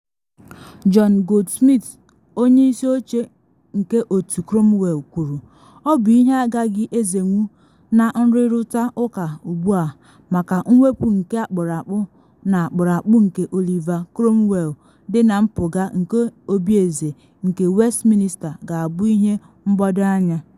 John Goldsmith, onye isi oche nke Otu Cromwell, kwuru: “Ọ bụ ihe agaghị ezenwu na nrịrụta ụka ugbu a maka mwepu nke akpụrụakpụ na akpụrụakpụ nke Oliver Cromwell dị na mpụga nke Obieze nke Westminster ga-abụ ihe mgbado anya.